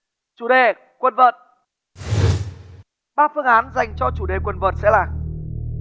chủ đề quần vợt ba phương án dành cho chủ đề quần vợt sẽ là